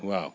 waaw